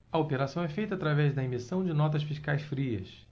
a operação é feita através da emissão de notas fiscais frias